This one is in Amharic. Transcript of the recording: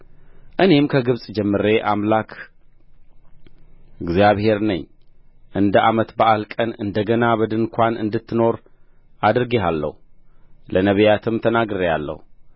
እኔም ከግብጽ ጀምሬ አምላክህ እግዚአብሔር ነኝ እንደ ዓመት በዓል ቀን እንደ ገና በድንኳን እንድትኖር አደርግሃለሁ ለነቢያትም ተናግሬአለሁ